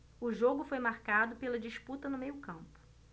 o jogo foi marcado pela disputa no meio campo